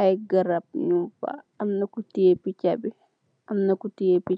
Ay garab ñuñg fa, am na ku tiyee picca bi